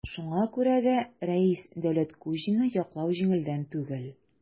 Шуңа күрә дә Рәис Дәүләткуҗинны яклау җиңелдән түгел.